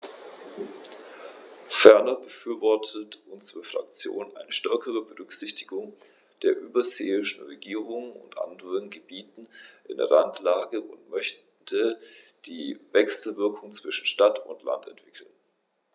Ferner befürwortet unsere Fraktion eine stärkere Berücksichtigung der überseeischen Regionen und anderen Gebieten in Randlage und möchte die Wechselwirkungen zwischen Stadt und Land entwickeln.